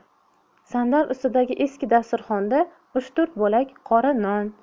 sandal ustidagi eski dasturxonda uch to'rt bo'lak qora non